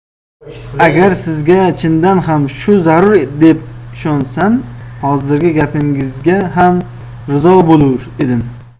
agar sizga chindan ham shu zarur deb ishonsam hozirgi gapingizga ham rizo bo'lur edim